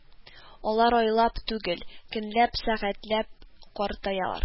Алар айлап түгел, көнләп, сәгатьләп картаялар